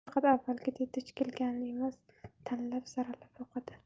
faqat avvalgiday duch kelganini emas tanlab saralab o'qidi